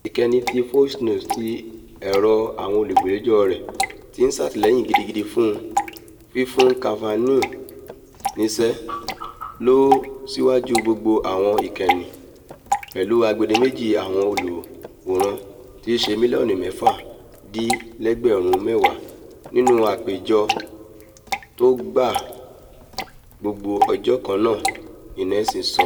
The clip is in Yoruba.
Ìkànnì Fox News, tí èrò àwọn olùgbàlejò rẹ̀ ti ṣàtìlẹ́yìn gidigidi fún fífún Kavanaugh níṣẹ́, ló síwáju gbogbo àwọn ìkànnì pẹ̀lú agbedeméjí àwọn olùwòran tí íṣe mílíọ̀nù mẹ́fà dín lẹ́gbẹ̀rún mẹ́wàá nínú ìgbẹ́jọ́ tó gba gbogbo ọjọ kan náà, ni Nielsen sọ.